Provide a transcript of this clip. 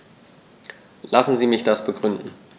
Lassen Sie mich das begründen.